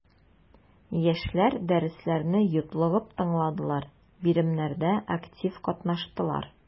Яшьләр дәресләрне йотлыгып тыңладылар, биремнәрдә актив катнаштылар.